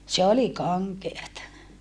se oli kankeata